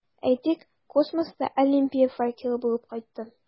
Әйтик, космоста Олимпия факелы булып кайтты.